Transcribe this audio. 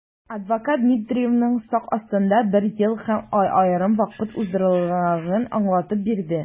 Адвокат Дмитриевның сак астында бер ел һәм ай ярым вакыт уздырганлыгын аңлатып бирде.